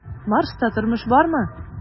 "марста тормыш бармы?"